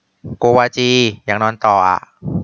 โกวาจีอยากนอนต่ออะ